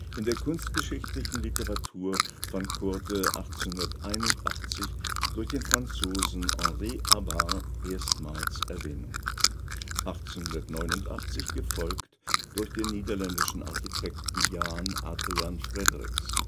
In der kunstgeschichtlichen Literatur fand Coorte 1881 durch den Franzosen Henry Havard erstmals Erwähnung, 1889 gefolgt durch den niederländischen Architekten Jan Adriaan Frederiks